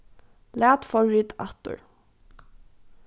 lat forrit aftur